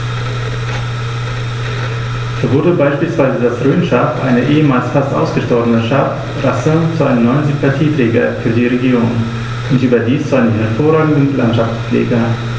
So wurde beispielsweise das Rhönschaf, eine ehemals fast ausgestorbene Schafrasse, zu einem neuen Sympathieträger für die Region – und überdies zu einem hervorragenden Landschaftspfleger.